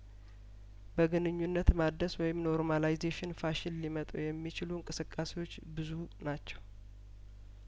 በግንኙነት ማደስ ወይም ኖርማላይዜሽን ፋሽን ሊመጡ የሚችሉ እንቅስቃሴዎች ብዙ ናቸው